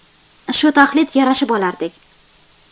shu taxlit yarashib olardik